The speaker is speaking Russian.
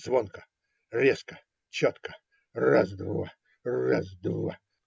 Звонко, резко, четко. раз-два, раз-два.